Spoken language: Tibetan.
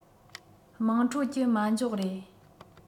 དམངས ཁྲོད ཀྱི མ འཇོག རེད